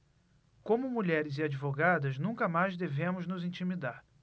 como mulheres e advogadas nunca mais devemos nos intimidar